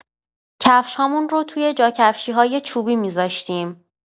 کفش‌هامون رو توی جاکفشی‌های چوبی می‌ذاشتیم.